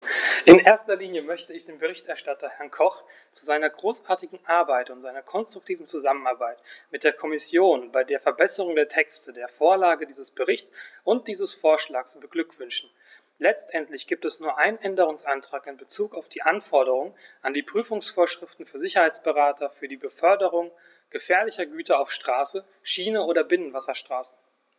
In erster Linie möchte ich den Berichterstatter, Herrn Koch, zu seiner großartigen Arbeit und seiner konstruktiven Zusammenarbeit mit der Kommission bei der Verbesserung der Texte, der Vorlage dieses Berichts und dieses Vorschlags beglückwünschen; letztendlich gibt es nur einen Änderungsantrag in bezug auf die Anforderungen an die Prüfungsvorschriften für Sicherheitsberater für die Beförderung gefährlicher Güter auf Straße, Schiene oder Binnenwasserstraßen.